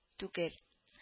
Түгел